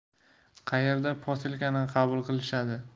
qayerda posilkani qabul qilishadi berishadi